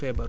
ok